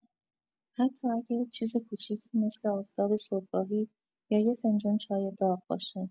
حتی اگه چیز کوچیکی مثل آفتاب صبحگاهی یا یه فنجون چای داغ باشه.